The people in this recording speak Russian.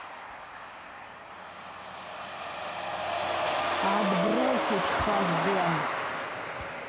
отбросить хазбен